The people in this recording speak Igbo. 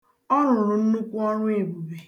Ọ rụrụ nnukwu ọrụebube